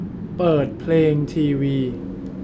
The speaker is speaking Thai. เปิดเพลงทีวี